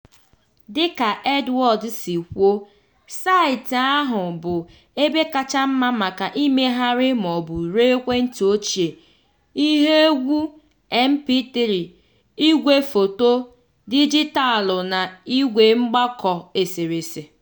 Dịka Edward si kwuo, saịtị ahụ “bụ ebe kacha mma maka imegharị maọbụ ree ekwentị ochie, ihe egwu mp3, igwefoto dijitaalụ na igwemgbakọ eserese.